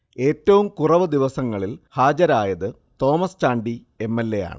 ഏറ്റവും കുറവ് ദിവസങ്ങളിൽ ഹാജരായത് Thomas Chandy M. L. A. യാണ്